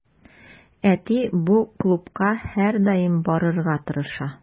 Әти бу клубка һәрдаим барырга тырыша.